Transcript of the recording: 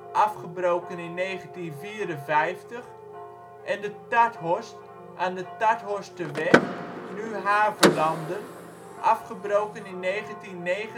afgebroken 1954) en de Tarthorst aan de Tarthorsterweg, nu Haverlanden (afgebroken 1969